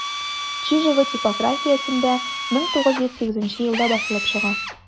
Чижова типографиясендә 1908 елда басылып чыга.